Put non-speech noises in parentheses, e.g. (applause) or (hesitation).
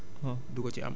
(hesitation) (hesitation)